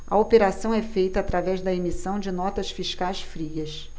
a operação é feita através da emissão de notas fiscais frias